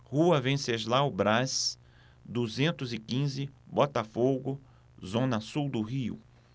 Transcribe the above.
rua venceslau braz duzentos e quinze botafogo zona sul do rio